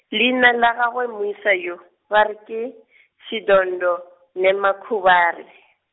leina la gagwe moisa yo, ba re ke , Shidondho Nemukovhani.